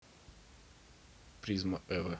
призмо эво